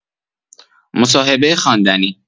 مصاحبه خواندنی